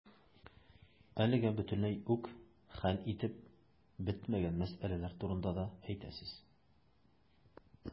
Әлегә бөтенләй үк хәл ителеп бетмәгән мәсьәләләр турында да әйтәсез.